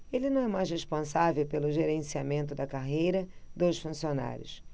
ela não é mais responsável pelo gerenciamento da carreira dos funcionários